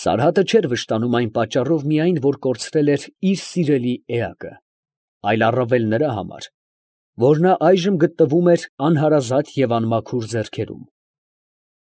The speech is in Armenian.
Սարհատը չէր վշտանում այն պատճառով միայն, որ կորցրել էր իր սիրելի էակը, այլ առավել նրա համար, որ նա այժմ գտնվում էր անհարազատ և անմաքուր ձեռքերում…։